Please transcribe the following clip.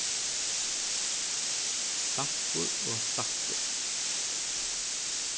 stampur og stakkur